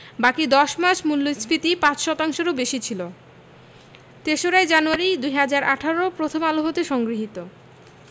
বাকি ১০ মাস মূল্যস্ফীতি ৫ শতাংশের মধ্যেই ছিল ০৩ জানুয়ারি ২০১৮ প্রথম আলো হতে সংগৃহীত